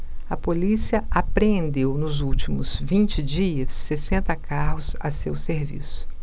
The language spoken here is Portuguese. a polícia apreendeu nos últimos vinte dias sessenta carros a seu serviço